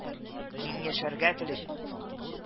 Мин яшәргә телим